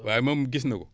waaye moom gis na ko